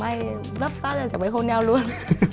may vấp phát là chẳng may hôn nhau luôn